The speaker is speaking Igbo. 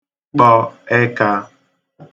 kpọ ẹkā